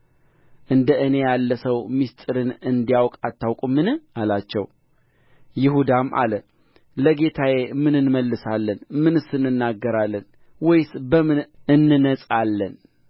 እንደ እኔ ያለ ሰው ምሥጢርን እንዲያውቅ አታውቁምን አላቸው ይሁዳም አለ ለጌታዬ ምን እንመልሳለን ምንስ እንናገራለን ወይስ በምን እንነጻለን